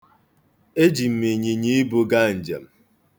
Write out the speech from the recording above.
Eji m ịnyịnyiibu gaa njem.